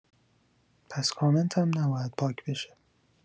پس کامنتم نباید پاک بشه